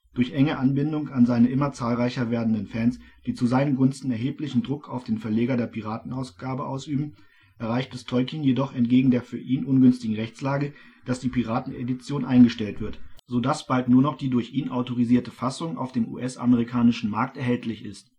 Durch enge Anbindung an seine immer zahlreicher werdenden Fans, die zu seinen Gunsten erheblichen Druck auf den Verleger der Piratenausgabe ausüben, erreicht es Tolkien jedoch entgegen der für ihn ungünstigen Rechtslage, dass die Piratenedition eingestellt wird, so dass bald nur noch die durch ihn autorisierte Fassung auf dem US-amerikanischen Markt erhältlich ist